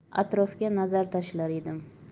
atrofga nazar tashlar edim